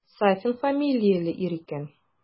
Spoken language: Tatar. Сафин фамилияле ир икән.